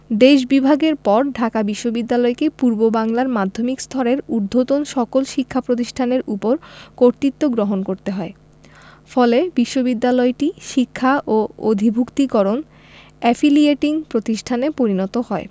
দেশ বিভাগের পর ঢাকা বিশ্ববিদ্যালয়কে পূর্ববাংলার মাধ্যমিক স্তরের ঊধ্বর্তন সকল শিক্ষা প্রতিষ্ঠানের ওপর কর্তৃত্ব গ্রহণ করতে হয় ফলে বিশ্ববিদ্যালয়টি শিক্ষা ও অধিভূক্তিকরণ এফিলিয়েটিং প্রতিষ্ঠানে পরিণত হয়